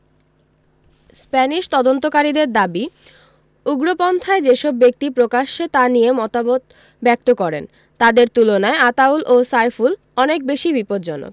Spanish তদন্তকারীদের দাবি উগ্রপন্থায় যেসব ব্যক্তি প্রকাশ্যে তা নিয়ে মতামত ব্যক্ত করেন তাদের তুলনায় আতাউল ও সাইফুল অনেক বেশি বিপজ্জনক